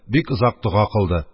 Бик озак дога кылды